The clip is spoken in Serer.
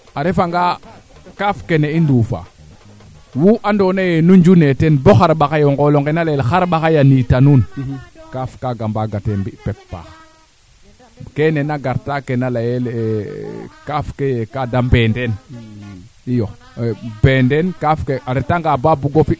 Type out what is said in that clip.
a jega ɓas fee de leya xa mupa xe aussi Grand Antoine Sene comme Grand Antou ɓas faaga ga um te duufa nsaa aussi ɓas faa mosna a pepo kaaf ke mbaax lool fogaame dena ngooya sax ɓasi mboojeen ɓasi mboojeen o xaaga yo kaa soxla foofi koy